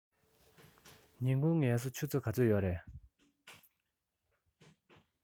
ཉིན གུང ངལ གསོ ཆུ ཚོད ག ཚོད ཡོད རས